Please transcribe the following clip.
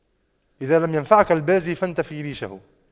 إذا لم ينفعك البازي فانتف ريشه